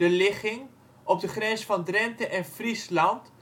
ligging, op de grens van Drenthe en Friesland